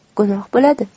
gunoh bo'ladi